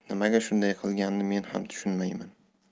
nimaga shunday qilganini men ham tushunmayman